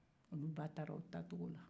oluw ba taara o taa cogola